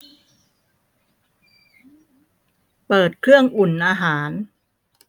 เปิดเครื่องอุ่นอาหาร